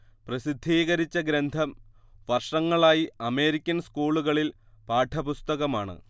പ്രസിദ്ധീകരിച്ച ഗ്രന്ഥം വർഷങ്ങളായി അമേരിക്കൻ സ്കൂളുകളിൽ പാഠപുസ്തകമാണ്